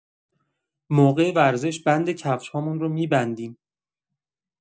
موقع ورزش بند کفش‌هامون رو می‌بندیم.